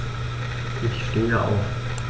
Ich stehe auf.